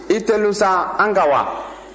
i terun sa an ka wa